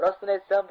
rostini aytsam